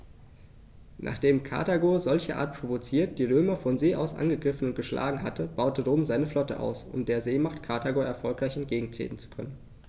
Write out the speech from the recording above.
Nachdem Karthago, solcherart provoziert, die Römer von See aus angegriffen und geschlagen hatte, baute Rom seine Flotte aus, um der Seemacht Karthago erfolgreich entgegentreten zu können.